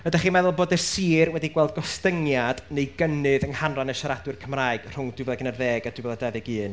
ydach chi'n meddwl bod y sir wedi gweld gostyngiad neu gynnydd yng nghanran y siaradwyr Cymraeg rhwng dwy fil ac unarddeg a dwy fil a dauddeg un?